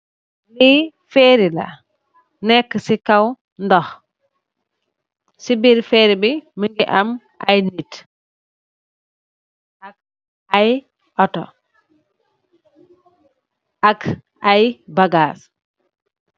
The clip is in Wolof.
Lee ferry la neka se kaw noh se birr ferry be muge am aye neete ak aye otu ak aye bagass.